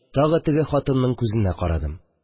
Тагы теге хатынның күзенә карадым